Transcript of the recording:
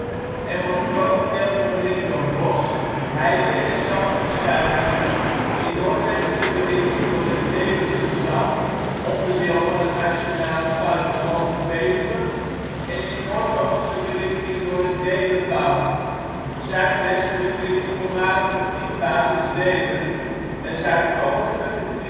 en wordt grotendeels omringd door bos, heide en zandverstuivingen, in noordwestelijke richting door het Deelensche Zand (onderdeel van het Nationaal Park De Hoge Veluwe) en in noordoostelijke richting door het Deelerwoud. Zuidwestelijk ligt de voormalige Vliegbasis Deelen en zuidoostelijk het